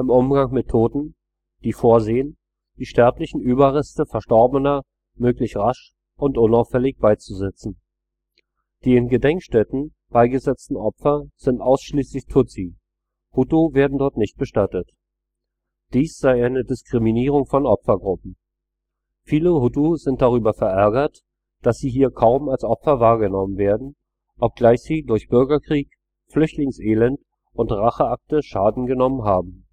Umgang mit Toten, die vorsehen, die sterblichen Überreste Verstorbener möglichst rasch und unauffällig beizusetzen. Die in Gedenkstätten beigesetzten Opfer sind ausschließlich Tutsi, Hutu werden dort nicht bestattet. Dies sei eine Diskriminierung von Opfergruppen. Viele Hutu sind darüber verärgert, dass sie hier kaum als Opfer wahrgenommen werden, obgleich sie durch Bürgerkrieg, Flüchtlingselend und Racheakte Schaden genommen haben